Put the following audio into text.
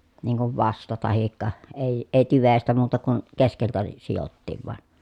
niin kuin vasta tai ei ei tyvestä muuta kuin keskeltä ne sidottiin vain